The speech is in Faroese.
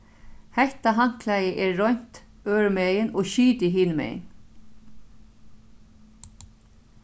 hetta handklæðið er reint øðrumegin og skitið hinumegin